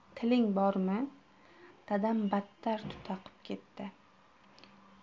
tiling bormi dadam battar tutaqib ketdi